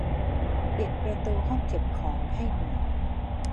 ปิดประตูห้องเก็บของให้หน่อย